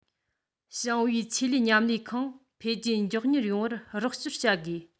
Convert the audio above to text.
ཞིང པའི ཆེད ལས མཉམ ལས ཁང འཕེལ རྒྱས མགྱོགས མྱུར ཡོང བར རོགས སྐྱོར བྱ དགོས